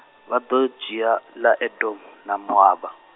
vha ḓo dzhia ḽa Edomo, na Moaba.